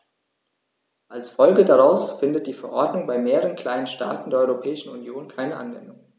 Als Folge daraus findet die Verordnung bei mehreren kleinen Staaten der Europäischen Union keine Anwendung.